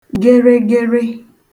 geregere